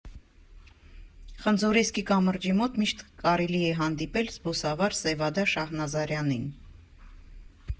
Խնձորեսկի կամրջի մոտ միշտ կարելի է հանդիպել զբոսավար Սևադա Շահնազարյանին։